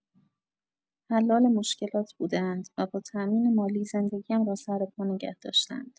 حلال مشکلات بوده‌اند و با تامین مالی، زندگی‌ام را سرپا نگه داشته‌اند.